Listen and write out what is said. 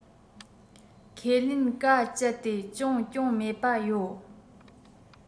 ཁས ལེན གཱ སྤྱད དེ ཅུང གྱོང མེད པ ཡོད